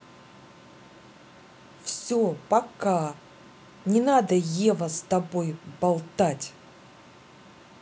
все пока не надо ева с тобой болтать